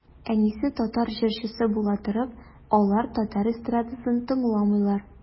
Әнисе татар җырчысы була торып, алар татар эстрадасын тыңламыйлар.